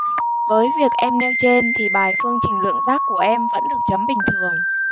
với việc em nêu trên thì bài phương trình lượng giác của em vẫn được chấm bình thường